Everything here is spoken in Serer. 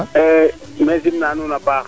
maxey sim na nuun a paax